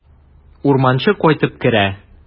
Урманчы кайтып керә.